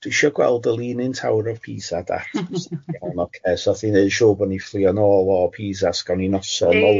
Dwi isio gweld y leaning tower o Pisa dad achos oce so oedd hi'n wneud siŵr bod ni'n fflio nôl o Pisa os gawn ni noson ola... Ia.